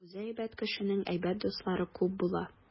Үзе әйбәт кешенең әйбәт дуслары күп була.